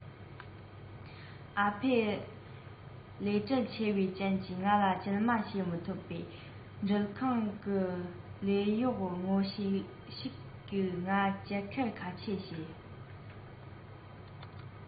ཨ ཕ ལས བྲེལ ཆེ བའི རྐྱེན གྱིས ང ལ སྐྱེལ མ བྱེད མི ཐུབ པས འགྲུལ ཁང གི ལས གཡོག ངོ ཤེས ཤིག གིས ང སྐྱེལ རྒྱུར ཁ ཆད བྱས